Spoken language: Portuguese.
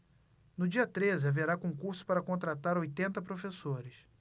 no dia treze haverá concurso para contratar oitenta professores